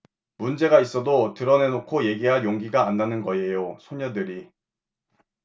문제가 있어도 드러내놓고 얘기할 용기가 안 나는 거예요 소녀들이